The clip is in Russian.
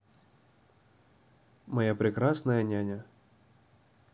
моя прекрасная няня